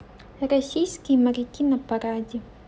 российские моряки на параде